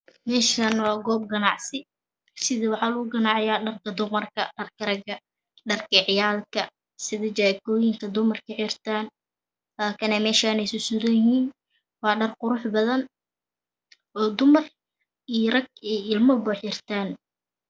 Meeshaane waa goob ganacsi sida waxaa lagu ganciyaa dharka dumarka, dharka raga, dharka ciyaalka sida saakooyinka dumarka xirtaan waa kanaa meeshaan sursuranyihiin waa dhar qurux badan oo dumar iyo rag iyo ilmaba xirtaan